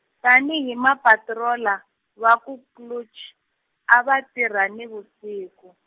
tani hi ma patroller, va ku Klux, a va tirha ni vusiku.